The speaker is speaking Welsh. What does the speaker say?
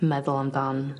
meddwl amdan